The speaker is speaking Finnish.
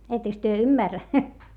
ettekös te ymmärrä